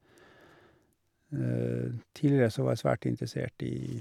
Tidligere så var jeg svært interessert i...